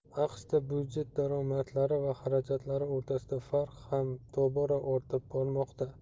aqshda budjet daromadlari va xarajatlari o'rtasidagi farq ham tobora ortib bormoqda